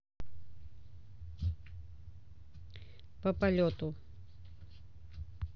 по полету